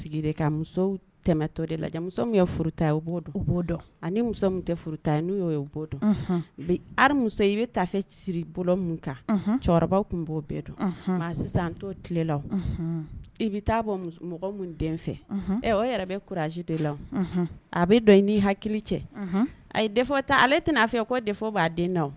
Muso tɛ n'uo dɔn bimuso i bɛ taafe siri bolo min kan cɛkɔrɔbaw tun b'o bɛɛ dɔn sisan to tile la i bɛ taa bɔ mɔgɔ min den fɛ ɛ o yɛrɛ bɛ kuruji de la a bɛ dɔn i n' hakili cɛ a ta ale tɛna a fɛ ko de b'a den da